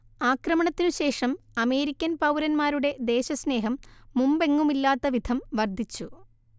ആക്രമണത്തിനു ശേഷം അമേരിക്കൻ പൗരന്മാരുടെ ദേശസ്നേഹം മുമ്പെങ്ങുമില്ലാത്ത വിധം വർദ്ധിച്ചു